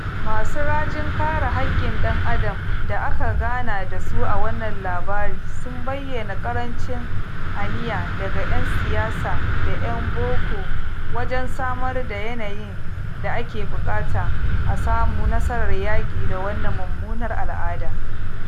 Masu rajin kare haƙƙin ɗan adam da aka gana da su a wannan labari sun bayyana ƙarancin aniya daga 'yan siyasa da 'yan boko wajen samar da yanayin da ake buƙata a samu nasarar yaƙi da wannan mummunar al'ada.